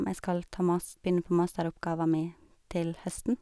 m Jeg skal ta mas begynne på masteroppgava mi til høsten.